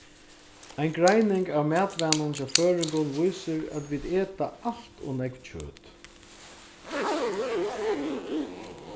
ein greining av matvanum hjá føroyingum vísir at vit eta alt ov nógv kjøt